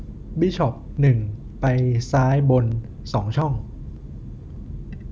บิชอปหนึ่งไปซ้ายบนสองช่อง